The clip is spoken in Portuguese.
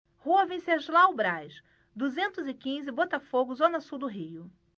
rua venceslau braz duzentos e quinze botafogo zona sul do rio